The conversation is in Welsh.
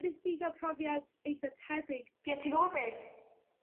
...nes ti ga'l profiad eitha tebyg? Ie ti gwbo beth